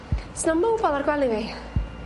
'S 'na mobile ar gwely fi?